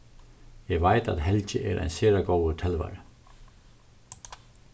eg veit at helgi er ein sera góður telvari